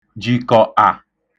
jìkọ̀(ṫà)